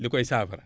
li koy saafara